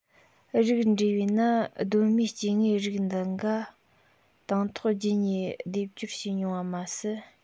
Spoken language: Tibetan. རིགས སྒྲེ བས ན གདོད མའི སྐྱེ དངོས རིགས འདི འགའ དང ཐོག རྒྱུད གཉིས སྡེབ སྦྱོར བྱས མྱོང བ མ ཟད